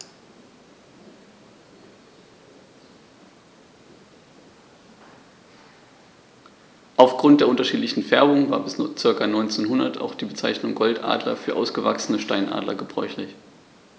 Auf Grund der unterschiedlichen Färbung war bis ca. 1900 auch die Bezeichnung Goldadler für ausgewachsene Steinadler gebräuchlich.